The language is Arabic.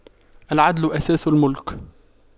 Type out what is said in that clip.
العدل أساس الْمُلْك